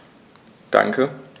Danke.